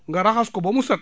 nga raxas ko ba mu set